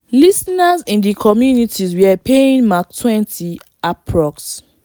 Listeners in the community were paying MK20 (approx.